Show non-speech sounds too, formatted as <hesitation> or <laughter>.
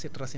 <hesitation> <hesitation>